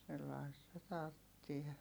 sellaista tarvitsee